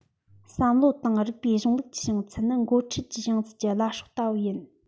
བསམ བློ དང རིགས པའི གཞུང ལུགས ཀྱི བྱང ཚད ནི འགོ ཁྲིད ཀྱི བྱང ཚད ཀྱི བླ སྲོག ལྟ བུ ཡིན